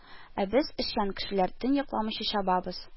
Ә без, эшчән кешеләр, төн йокламыйча чабабыз